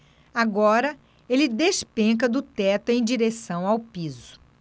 agora ele despenca do teto em direção ao piso